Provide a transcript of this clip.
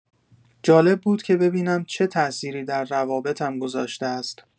جالب بود که ببینم چه تاثیری در روابطم گذاشته است.